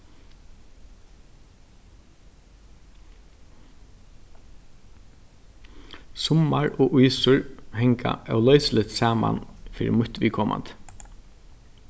summar og ísur hanga óloysiligt saman fyri mítt viðkomandi